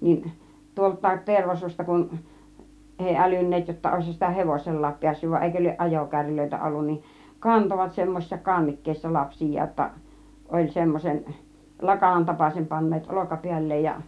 niin tuoltakin Tervasuosta kun ei älynneet jotta olisihan sitä hevosellakin päässyt vaan eikö lie ajokärryjä ollut niin kantoivat semmoisissa kannikkeissa lapsiaan jotta oli semmoisen lakanan tapaisen panneet olkapäälleen ja